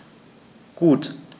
Gut.